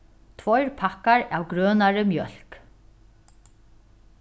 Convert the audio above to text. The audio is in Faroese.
tveir pakkar av grønari mjólk